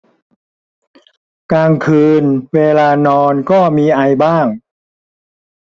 กลางคืนเวลานอนก็มีไอบ้าง